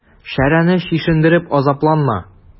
Шәрәне чишендереп азапланма.